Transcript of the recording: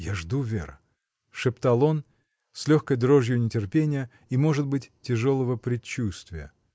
— Я жду, Вера, — шептал и он, с легкой дрожью нетерпения и, может быть, тяжелого предчувствия.